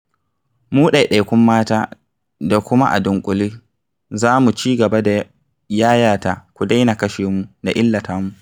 Mu, ɗaiɗaikun mata, da kuma a dunƙule, za mu cigaba da yayata "ku daina kashe mu" da "illata mu".